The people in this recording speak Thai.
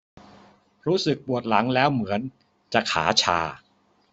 รู้สึกปวดหลังแล้วเหมือนจะขาชา